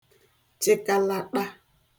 chịkalaṭa